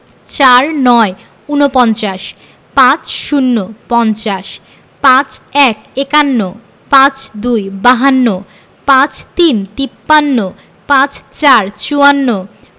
৪৯ – উনপঞ্চাশ ৫০ - পঞ্চাশ ৫১ – একান্ন ৫২ - বাহান্ন ৫৩ - তিপ্পান্ন ৫৪ - চুয়ান্ন